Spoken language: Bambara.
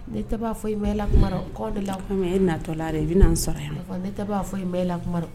Ne ta b'a foyii mɛn e la kuma, kɔ ne la kun, ni nin y'e na tɔla ye de ye , i bɛna n sɔrɔ yan , k'a fɔ ne tɛ b'a foyi mɛn e la kuma la